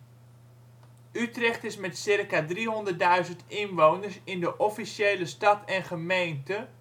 Utrecht is met circa 300.000 inwoners in de officiële stad en gemeente